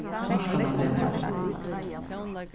norðskálavegur